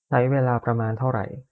ใช้เวลาประมาณเท่าไหร่